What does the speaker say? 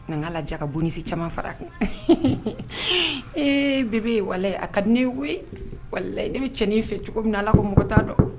N n' laja ka bonsi caman fara kun ee bɛɛ bɛ wa a ka ne ko wali ne bɛ cɛnin in fɛ cogo min na la ko mɔgɔ t dɔn